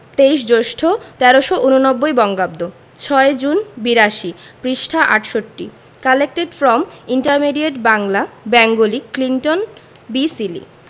২৩ জ্যৈষ্ঠ ১৩৮৯ বঙ্গাব্দ/৬ জুন ৮২ পৃষ্ঠাঃ ৬৮ collected from intermediate Bangla Bengali Clinton B Seely